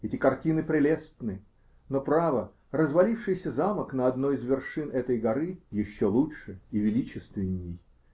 Эти картины прелестны, но, право, развалившийся замок на одной из вершин этой горы еще лучше и величественней.